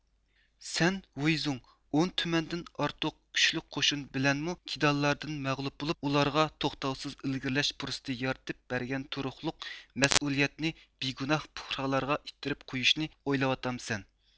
سەنۋۇيىزۇڭ ئون تۈمەندىن ئارتۇق كۈچلۈك قوشۇن بىلەنمۇ كىدانلاردىن مەغلۇپ بولۇپ ئۇلارغا توختاۋسىز ئىلگىرلەش پۇرسىتى يارىتىپ بەرگەن تۇرۇقلۇق مەسئۇليەتنى بىگۇناھ پۇقرالارغا ئىتتىرىپ قويۇشنى ئويلاۋاتامسەن